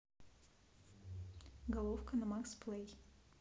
головка на max play